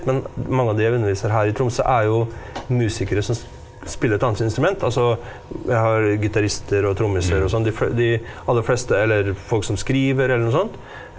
men mange av de jeg underviser her i Tromsø er jo musikere som spiller et annet instrument, altså jeg har gitarister og trommiser og sånn de de aller fleste eller folk som skriver eller noe sånt.